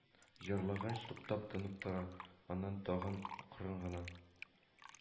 Җырлагач, туктап тынып тора, аннан тагын акрын гына